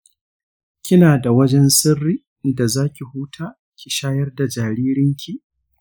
kinada wajen sirri da zaki huta ki shayar da jaririnki?